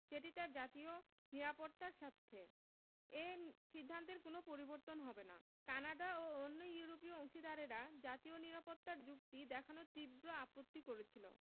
সেটি তার জাতীয় নিরাপত্তার স্বার্থে এ সিদ্ধান্তের কোনো পরিবর্তন হবে না কানাডা ও অন্য ইউরোপীয় অংশীদারেরা জাতীয় নিরাপত্তার যুক্তি দেখানোয় তীব্র আপত্তি করেছিল